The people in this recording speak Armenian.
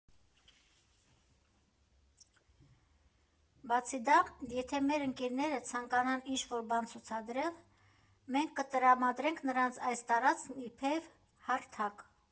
Բացի դա, եթե մեր ընկերները ցանկանան ինչ֊որ բան ցուցադրել, մենք կտրամադրենք նրանց այս տարածքն իբրև հարթակ։